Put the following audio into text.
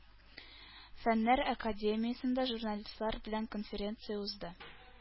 Фәннәр академиясендә журналистлар белән конференция узды.